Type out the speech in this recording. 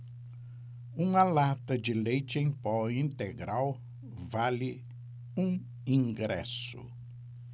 uma lata de leite em pó integral vale um ingresso